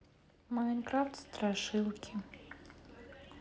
майнкрафт страшилки